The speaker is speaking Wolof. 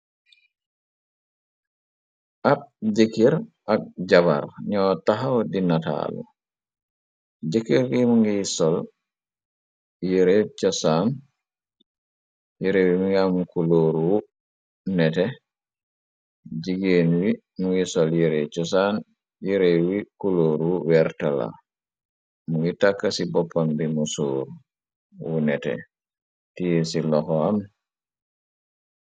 ab jëkkër ak jabar ñoo taxaw di nataalu jëkkar gi mngiy sol yere cosaam, kulórwu nete jigéen wi mungiy sol yere cosaan yeréwi kulóoru wertala mungi tàkk ci boppam bi mu sóor wu nete tiir ci loxo am.